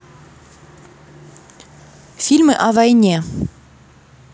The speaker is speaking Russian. фильмы о войне